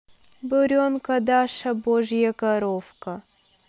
буренка даша божья коровка